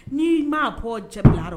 N' m'a kɔ diya bila kɔnɔ